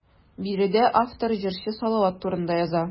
Биредә автор җырчы Салават турында яза.